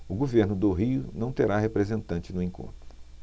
o governo do rio não terá representante no encontro